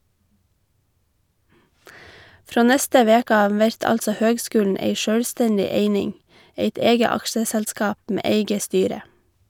Frå neste veke av vert altså høgskulen ei sjølvstendig eining, eit eige aksjeselskap med eige styre.